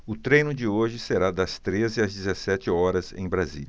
o treino de hoje será das treze às dezessete horas em brasília